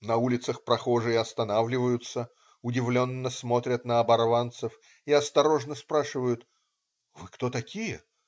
На улицах прохожие останавливаются, удивленно смотрят на оборванцев и осторожно спрашивают: "вы кто такие?